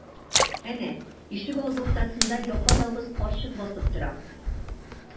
Әнә, ишегалды уртасында япа-ялгыз карчык басып тора.